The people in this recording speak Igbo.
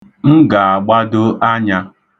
M ga-agbado anya.